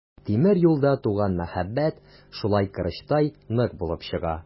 Тимер юлда туган мәхәббәт шулай корычтай нык булып чыга.